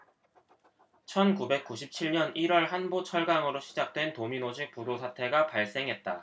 천 구백 구십 칠 년 일 월 한보 철강으로 시작된 도미노식 부도 사태가 발생했다